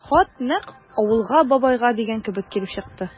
Хат нәкъ «Авылга, бабайга» дигән кебек килеп чыкты.